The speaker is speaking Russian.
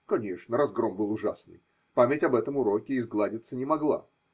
Конечно, разгром был ужасный, память об этом уроке изгладиться не могла